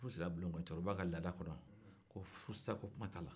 ni furusilila bulon kɔnɔ cɛkɔrɔba ka laada kɔnɔ furusa kuma t'a la